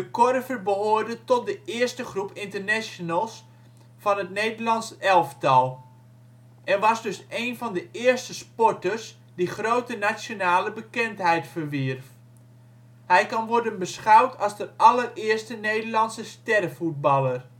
Korver behoorde tot de eerste groep internationals van het Nederlands elftal, en was dus één van de eerste sporters die grote nationale bekendheid verwierf. Hij kan worden beschouwd als de allereerste Nederlandse stervoetballer